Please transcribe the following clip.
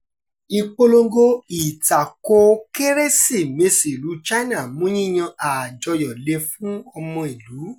Ìpolongo ìtakò Kérésìmesì ìlú China mú yíyan àjọyọ̀ le fún ọmọ-ìlú